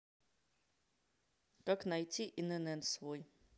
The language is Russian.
как найти инн свой